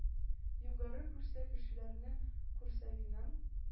Югары Курса кешеләре Курсавиның